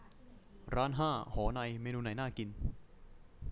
ร้านห้าหอในเมนูไหนน่ากิน